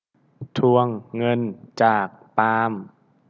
ทวงเงินจากปาล์ม